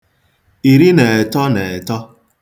ìrì na ẹtọ̄ nà ẹ̀tọ